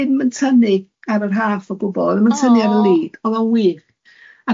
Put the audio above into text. o'dd o ddim yn tynnu ar yr rhaff o gwbwl, o'dd o ddim yn tynnu ar y lid, o'dd o'n wych.